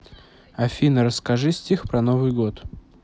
афина расскажи стих про новый год